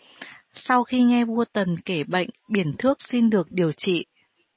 sau khi nghe vua tần kể bệnh biển thước xin được điều trị